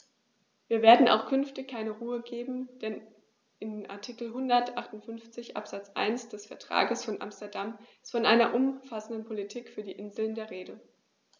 Wir werden auch künftig keine Ruhe geben, denn in Artikel 158 Absatz 1 des Vertrages von Amsterdam ist von einer umfassenden Politik für die Inseln die Rede.